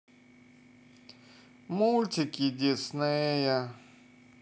мультики диснея